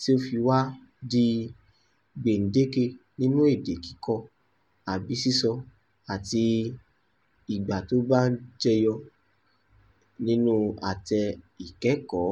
tí ó fi wá di gbèǹdéke nínú èdè kíkọ àbí sísọ àti ìgbà tí ó bá ń jẹyọ nínú àtẹ ìkẹ́kọ̀ọ́.